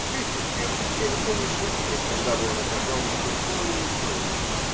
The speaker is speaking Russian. Вместе с тем я не помню случая, когда бы он оказал мне хоть малую услугу